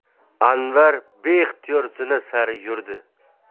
anvar beixtiyor zina sari yurdi